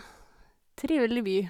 Trivelig by.